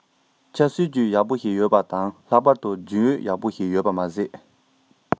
ཆབ སྲིད ཅུད ཡག པོ ཞིག ཡོད ཞིག ཡོད པ དང ལྷག པར དུ རྒྱུན ཨུད ཡག པོ ཞིག ཡོད པ མ ཟད